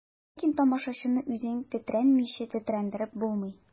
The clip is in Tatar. Ләкин тамашачыны үзең тетрәнмичә тетрәндереп булмый.